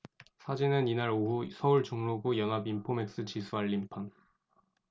사진은 이날 오후 서울 종로구 연합인포맥스 지수 알림판